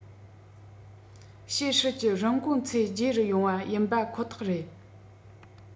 བྱེད སྲིད ཀྱི རིན གོང ཚད བརྗེ རུ ཡོང བ ཡིན པ ཁོ ཐག རེད